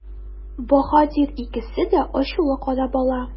Баһадир икесенә дә ачулы карап ала.